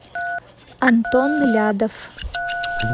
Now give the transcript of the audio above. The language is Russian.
антон лядов